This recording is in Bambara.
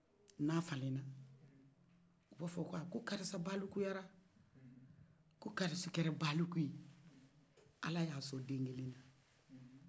n'a falenna o b'a fɔ ko karisa balikouyala ko karisa kɛla balikouye allah ya son den kɛla